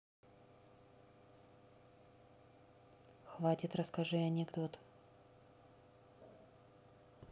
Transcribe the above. хватит расскажи анекдот